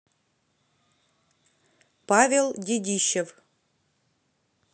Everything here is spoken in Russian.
павел дедищев